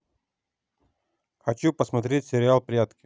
хочу посмотреть сериал прятки